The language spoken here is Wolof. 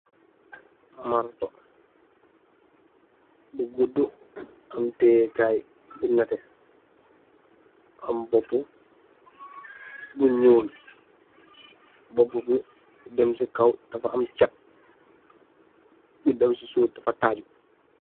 Maartoh bu gudu, am tiyeh kaii bu nehteh, am bopu bu njull, bopu bii dem cii kaw dafa am chhat, bu dem cii suff dafa taaju.